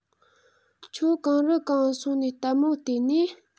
ཁྱོད གང རིགས གང ང སོང ངས ལྟད མོ བལྟས ནིས